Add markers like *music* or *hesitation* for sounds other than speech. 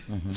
*hesitation* *hesitation*